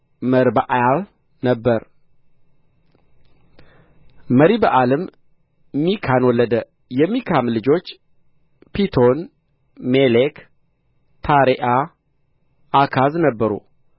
መሪበኣል ነበረ መሪበኣልም ሚካን ወለደ የሚካም ልጆች ፒቶን ሜሌክ ታሬዓ አካዝ ነበሩ